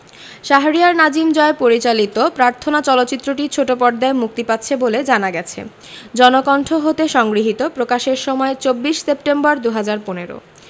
শাহরিয়ার নাজিম জয় পরিচালিত প্রার্থনা চলচ্চিত্রটি ছোট পর্দায় মুক্তি পাচ্ছে বলে জানা গেছে জনকণ্ঠ হতে সংগৃহীত প্রকাশের সময় ২৪ সেপ্টেম্বর ২০১৫